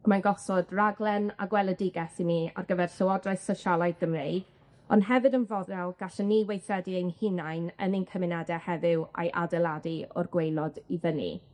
Mae'n gosod raglen a gweledigeth i ni ar gyfer Llywodraeth Sosialaidd Gymreig, on' hefyd yn fodel gallwn ni weithredu ein hunain yn ein cymunede heddiw a'u adeiladu o'r gwaelod i fyny.